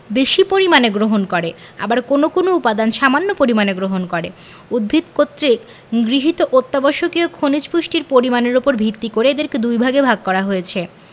বেশি পরিমাণে গ্রহণ করে আবার কোনো কোনো উপাদান সামান্য পরিমাণে গ্রহণ করে উদ্ভিদ কর্তৃক গৃহীত অত্যাবশ্যকীয় খনিজ পুষ্টির পরিমাণের উপর ভিত্তি করে এদেরকে দুইভাগে ভাগ করা হয়েছে